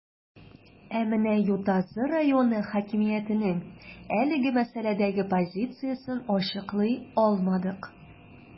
Ә менә Ютазы районы хакимиятенең әлеге мәсьәләдәге позициясен ачыклый алмадык.